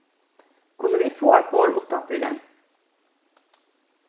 kunnu vit fáa eitt borð uttanfyri